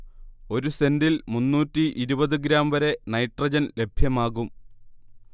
ഒരു സെന്റിൽ മുന്നൂറ്റി ഇരുപത് ഗ്രാം വരെ നൈട്രജൻ ലഭ്യമാകും